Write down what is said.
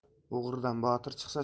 o'g'ridan botir chiqsa